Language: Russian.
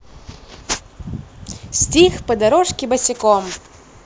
стих по дорожке босиком